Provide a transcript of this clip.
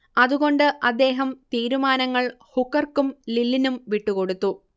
അതുകൊണ്ട് അദ്ദേഹം തീരുമാനങ്ങൾ ഹുക്കർക്കും ലില്ലിനും വിട്ടുകൊടുത്തു